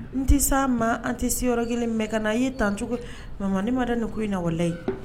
N ti sa ma, an tɛ se yɔrɔ kelen . Mais ka na ye tan cogo. Maman ne ma da nin ko in na walayi.